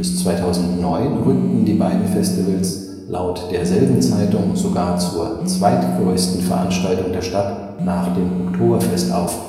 2009 rückten die beiden Festivals laut derselben Zeitung sogar zur zweitgrößten Veranstaltung der Stadt nach dem Oktoberfest auf